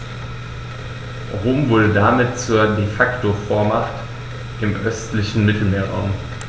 Rom wurde damit zur ‚De-Facto-Vormacht‘ im östlichen Mittelmeerraum.